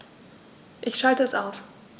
Ich schalte es aus.